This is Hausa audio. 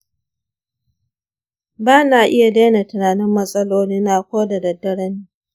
ba na iya daina tunanin matsalolina ko da daddare ne.